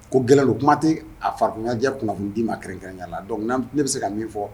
Ko gɛlɛ don kuma tɛ a fakunjɛ kun tun n'i ma kɛrɛnkɛrɛnya la dɔn ne bɛ se ka min fɔ